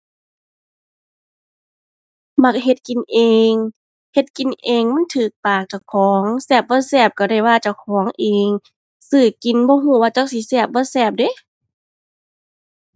มักเฮ็ดกินเอง เฮ็ดกินเองมันถูกปากเจ้าของ แซ่บบ่แซ่บถูกได้ว่าเจ้าของเอง ซื้อกินบ่ถูกว่าจักสิแซ่บบ่แซ่บเดะ